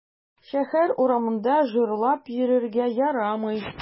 Шәһәр урамында җырлап йөрергә ярамый.